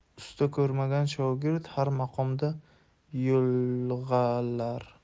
usta ko'rmagan shogird har maqomga yo'ig'alar